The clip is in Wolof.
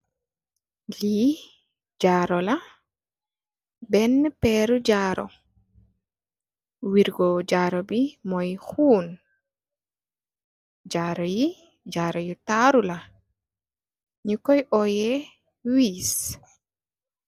Lii jaru la, benna pééru jaru wirgo jaru bi moy xun. Jaru yi jaru yu tarula ñiñ Koy óyeh wiis.